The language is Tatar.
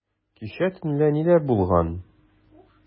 Кичә төнлә ниләр булган?